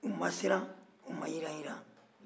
u ma siran u yiran-yiran